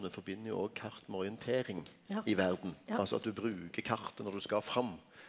me forbind jo òg kart med orientering i verda, altså at du bruker kartet når du skal fram.